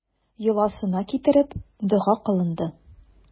Йоласына китереп, дога кылынды.